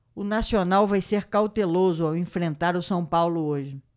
o nacional vai ser cauteloso ao enfrentar o são paulo hoje